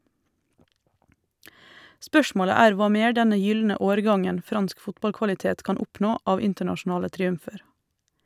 Spørsmålet er hva mer denne gylne årgangen fransk fotballkvalitet kan oppnå av internasjonale triumfer.